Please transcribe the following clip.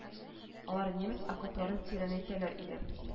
Алар немец окопларын тирәнәйтәләр иде